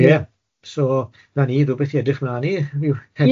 Ie so 'na ni rwbeth i edrych mlan i yw'r henoed.